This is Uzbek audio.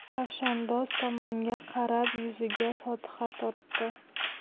kavshandoz tomonga qarab yuziga fotiha tortdi